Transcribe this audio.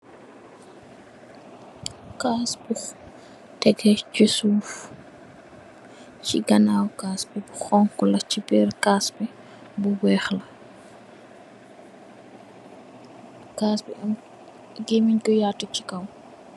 Kass bu tehgeh si suf si ganaw kass bu khonkho la si berr kass bi bu wheh la. Kass bi amm gehmench bu yatu si kaw.